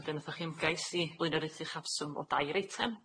A wedyn nathoch chi ymgais i flaenoraethu chafswm o dair eitem.